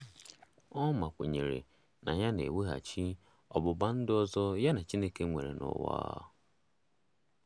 Ouma kwenyere na ya na-eweghachi ọgbụgba ndụ ọzọ ya na Chineke nwere n'ụwa.